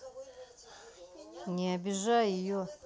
не обижай ее